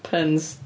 Puns.